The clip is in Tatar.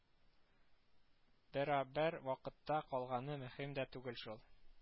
Бәрабәр вакытта калганы мөһим дә түгел шул